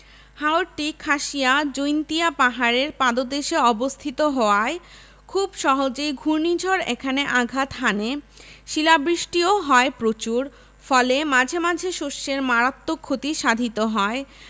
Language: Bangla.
হাওরটি খাসিয়া জৈন্তিয়া পাহাড়ের পাদদেশে অবস্থিত হওয়ায় খুব সহজেই ঘূর্ণিঝড় এখানে আঘাত হানে শিলাবৃষ্টিও হয় প্রচুর ফলে মাঝে মাঝে শস্যের মারাত্মক ক্ষতি সাধিত হয়